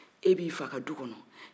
e bi fa ka du kɔnɔ